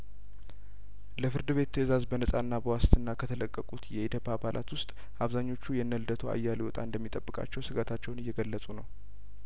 ለፍርድ ቤት ትእዛዝ በነጻና በዋስትና ከተለቀቁት የኢዴፓ አባላት ውስጥ አብዛኛዎቹ የእነ አቶ ልደቱ እጣ እንደሚጠብቃቸው ስጋታቸውን እየገለጹ ነው